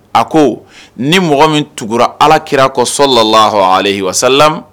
A ko ni mɔgɔ min tugukurara ala kirara kosɔ la lah wasa